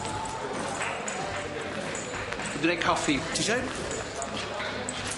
Mynd i neud coffi. Tisio un?